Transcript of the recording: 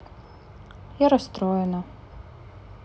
я расстроена